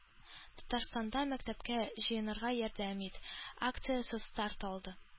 Татарстанда “Мәктәпкә җыенырга ярдәм ит!” акциясе старт алды